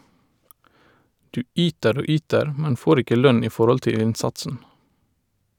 Du yter og yter, men får ikke lønn i forhold til innsatsen.